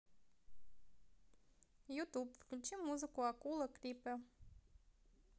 ютуб включи музыку акула клипы